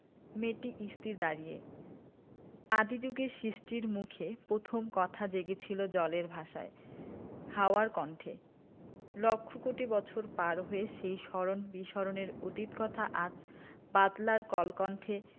মেয়েটি স্থির দাঁড়িয়ে আদি জুগে সিষ্টির মুখে প্রথম কথা জেগেছিল জলের ভাষায় হাওয়ার কণ্ঠে লক্ষ কোটি বছর পার হয়ে সেই স্মরণ বিস্মরণের অতীত কথা আজ বাদলার কলকণ্ঠে